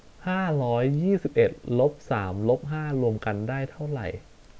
ห้าร้อยยี่สิบเอ็ดลบสามลบห้ารวมกันได้เท่าไหร่